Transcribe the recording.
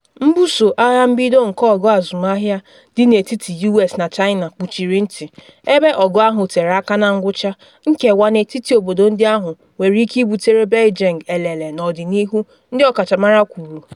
Mbuso agha mbido nke ọgụ azụmahịa dị n’etiti US na China kpuchiri nti, ebe ọgụ ahụ tere aka na ngwụcha, nkewa n’etiti obodo ndị ahụ nwere ike ibuteere Beijing elele n’ọdịnihu, ndị ọkachamara kwuru.